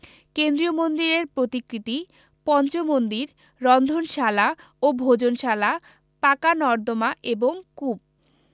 কেন্দ্রীয় মন্দিরের প্রতিকৃতি পঞ্চ মন্দির রন্ধনশালা ও ভোজনশালা পাকা নর্দমা এবং কূপ